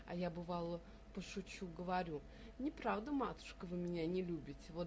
А я, бывало, пошучу -- говорю: -- Неправда, матушка, вы меня не любите